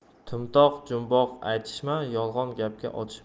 to'mtoq jumboq aytishma yolg'on gapga qotishma